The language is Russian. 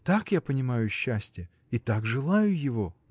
Так я понимаю счастье и так желаю его!